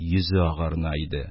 Йөзе агарына иде.